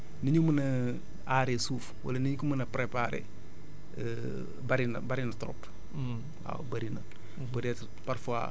voilà xam nga li ñu mun a aaree suuf wala ni ñu ko mun a préparer bari na bari na trop